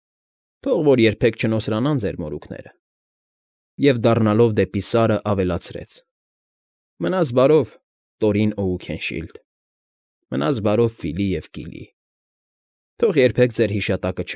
Թող որ երբեք չնոսրանան ձեր մորուքները։֊ Եվ, դառնալով դեպի Սարը, ավելացրեց։֊ Մնաս բարով, Տորին Օուքենշիլդ… Մնաք բարով, Ֆիլի ու Կիլի… Թող երբեք ձեր հիշատակը։